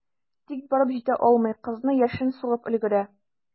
Тик барып җитә алмый, кызны яшен сугып өлгерә.